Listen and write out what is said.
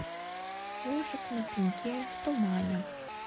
ежик на пеньке в тумане